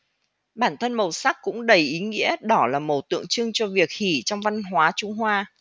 bản thân màu sắc cũng đầy ý nghĩa đỏ là màu tượng trưng cho việc hỉ trong văn hóa trung hoa